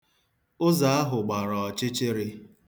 Ụzọ ahụ gbara ọchịchịrị.